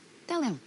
Del iawn.